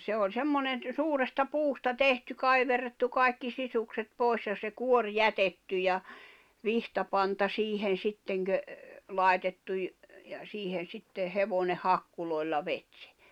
se oli semmoinen - suuresta puusta tehty kaiverrettu kaikki sisukset pois ja se kuorma jätetty ja vitsapanta siihen sitten - laitettu - ja siihen sitten hevonen hakkuloilla veti sen